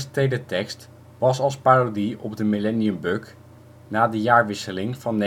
teletekst was als parodie op de millenniumbug na de jaarwisseling van